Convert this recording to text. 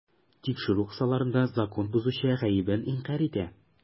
Тикшерү кысаларында закон бозучы гаебен инкарь итә.